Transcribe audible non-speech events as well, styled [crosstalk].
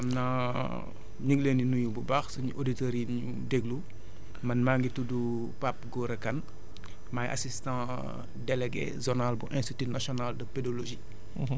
xam naa ñu ngi leen di nuyu bu baax suñu auditeurs yi ñuy déglu man maa ngi tudd Pape Gora Kane maay assistant [hesitation] délégué zonal bu institut national de pédologie